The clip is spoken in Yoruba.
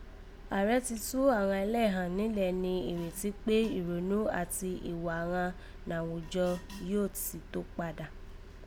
Ààrẹ ti tú àghan ẹlẹ́ghàn nílẹ̀ ní ìrètí kpé ìrònú àti ìwà ghan nàwùjọ yóò sì tó kpadà